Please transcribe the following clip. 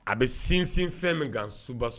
A bɛ sinsin fɛn min nka n suba so